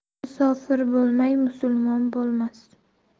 musofir bo'lmay musulmon bo'lmas